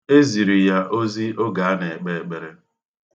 E ziri ya ozi oge a na-ekpe ekpere.